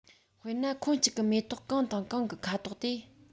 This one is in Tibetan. དཔེར ན ཁོངས གཅིག གི མེ ཏོག གང དང གང གི ཁ དོག དེ